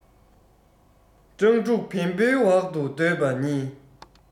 སྤྲང ཕྲུག བེན པོའི འོག ཏུ སྡོད པ གཉིས